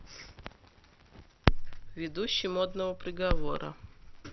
ведущий модного приговора